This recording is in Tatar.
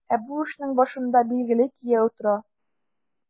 Ә бу эшнең башында, билгеле, кияү тора.